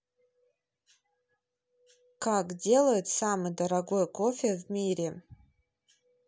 как делают самый дорогой кофе в мире